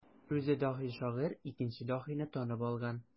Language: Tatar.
Үзе даһи шагыйрь икенче даһине танып алган.